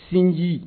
Sin